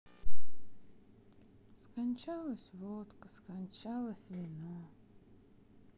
скончалась водка скончалось вино